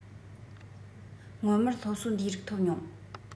སྔོན མར སློབ གསོ འདིའི རིགས འཐོབ མྱོང